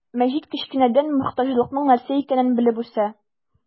Мәҗит кечкенәдән мохтаҗлыкның нәрсә икәнен белеп үсә.